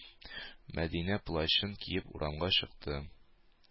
Мәдинә плащын киеп урамга чыкты.